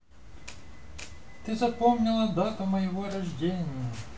ты запомнила дату моего рождения